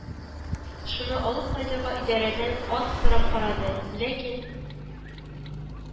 Шуны алып кайтырга идарәдән ат сорап карады, ләкин